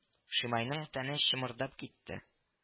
Шимайның тәне чымырдап китте